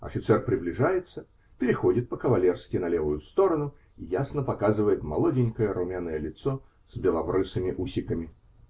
Офицер приближается, переходит по-кавалерски на левую сторону и ясно показывает молоденькое румяное лицо с белобрысыми усиками.